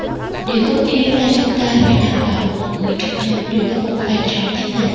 điều cốt yếu là chúng ta phải đảm bảo mọi người trong nhóm đều có một vai trò nhất định